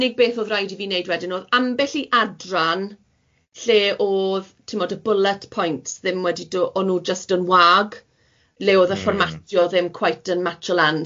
A'r unig beth o'dd raid i fi neud wedyn o'dd ambell i adran lle o'dd ti'mod y bwlet points ddim wedi do- o nw jest yn wag le o'dd y fformatio ddim cweit yn matjo lan.